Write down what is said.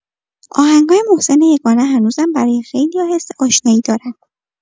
آهنگای محسن یگانه هنوزم برای خیلیا حس آشنایی دارن.